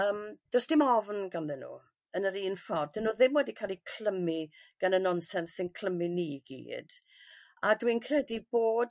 Yym do's dim ofn ganddyn nhw yn yr un ffor 'dyn nhw ddim wedi cael 'u clymu gan y nonsens sy'n clymu ni gyd a dwi'n credu bod